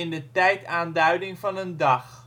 de tijdaanduiding van een dag